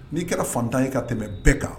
N'i kɛra fatan ye ka tɛmɛ bɛɛ kan